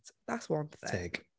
That's one thing...Teg.